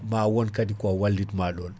ma won kaadi ko walitma ɗon